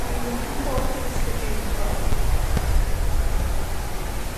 hi'n rhy boeth i wisgo jîns ddoe.